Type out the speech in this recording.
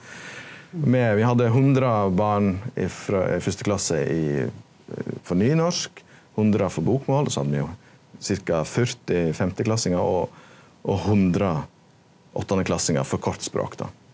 me vi hadde 100 barn ifrå i fyrste klasse i for nynorsk 100 for bokmål og so hadde me jo ca. 40 femteklassingar og og 100 åttendeklassingar for kvart språk då.